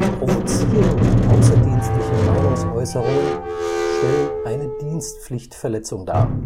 Provozierende außerdienstliche Meinungsäußerungen stellen eine Dienstpflichtverletzung dar